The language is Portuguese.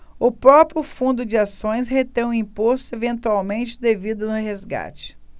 o próprio fundo de ações retém o imposto eventualmente devido no resgate